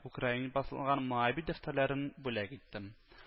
Украин басылган моабит дәфтәрләрен бүләк иттем